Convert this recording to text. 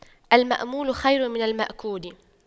المأمول خير من المأكول